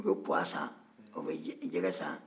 o bɛ kwa san o bɛ jɛgɛ san